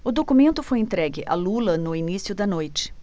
o documento foi entregue a lula no início da noite